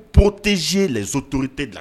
Potez ye zo to tɛ la